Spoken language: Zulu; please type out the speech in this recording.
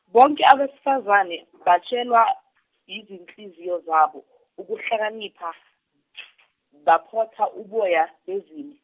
bonke abesifazane batshelwa yizinhliziyo zabo ukuhlakanipha baphotha uboya bezimv-.